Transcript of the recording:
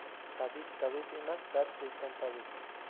tabib tabib emas dard chekkan tabib